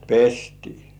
pestiin